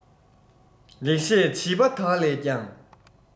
ལེགས བཤད བྱིས པ དག ལས ཀྱང